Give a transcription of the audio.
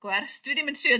gwers dwi ddim yn siŵr...